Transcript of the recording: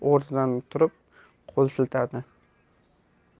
yigit o'rnidan turib qo'l siltadi